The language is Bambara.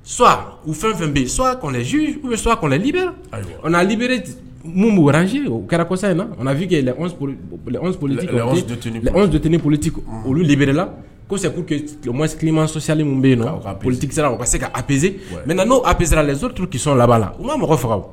So u fɛn fɛn bɛ yen so u bɛ solib lib minnu bɛ wranse o kɛra kɔsa in nafinkeoli anwtinioliti olubla se k'ma sɔyali bɛ yen na ka politisira ka se ka apizsee mɛ n' a ppisera la n souru turu ki laban la u ma mɔgɔ faga